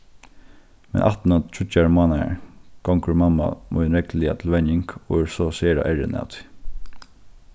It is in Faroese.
men aftaná tríggjar mánaðar gongur mamma mín regluliga til venjing og er so sera errin av tí